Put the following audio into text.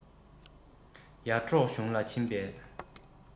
ཡར འབྲོག གཞུང ལ ཕྱིན པས